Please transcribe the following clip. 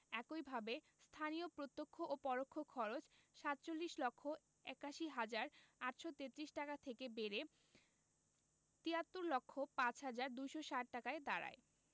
একইভাবে স্থানীয় প্রত্যক্ষ ও পরোক্ষ খরচ ৪৭ লক্ষ ৮১ হাজার ৮৩৩ টাকা থেকে বেড়ে ৭৩ লক্ষ ৫ হাজার ২৬০ টাকায় দাঁড়ায়